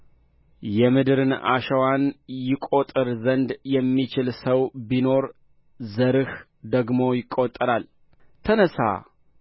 የምድርን አሸዋን ይቈጥር ዘንድ የሚችል ሰው ቢኖር ዘርህ ደግሞ ይቈጠራል ተነሣ